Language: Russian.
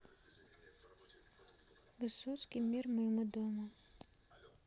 высоцкий мир моему дому